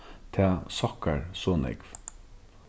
tað sokkar so nógv